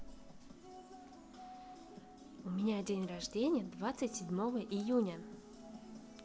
у меня день рождения двадцать седьмого июня